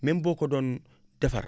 même boo ko doon defar